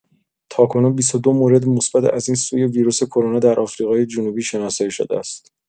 تاکنون ۲۲ مورد مثبت از این سویه ویروس کرونا در آفریقای جنوبی شناسایی شده است.